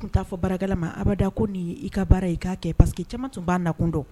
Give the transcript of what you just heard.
Tun t'a fɔ baarakɛla man abada ko nin y'i ka baara k'i ka kɛ parce que caaman tun b'a na kun don.